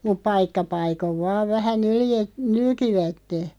mutta paikka paikoin vain vähän - nylkivät